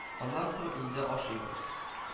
Аннан соң инде ашыйбыз